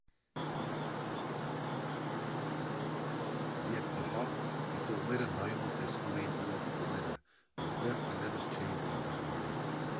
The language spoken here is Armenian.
Եվ ահա, դիտողները նայում ու տեսնում էին իրենց տները, որտեղ այլևս չէին վերադառնալու։